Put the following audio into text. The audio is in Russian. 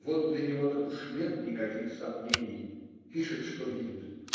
Вот для него так уж нет никаких сомнений пишет, что видит